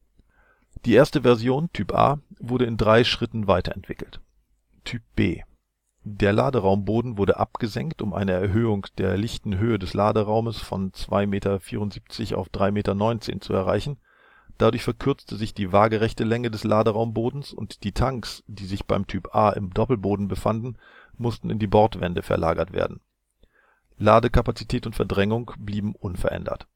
Die erste Version Typ A wurde in drei Schritten weiterentwickelt. Typ B: Der Laderaumboden wurde abgesenkt, um eine Erhöhung der lichten Höhe des Laderaumes von 2,74 m auf 3,19 m zu erreichen. Dadurch verkürzte sich die waagerechte Länge des Laderaumbodens, und die Tanks, die sich beim Typ A im Doppelboden befanden, mussten in die Bordwände verlagert werden. Ladekapazität und Verdrängung blieben unverändert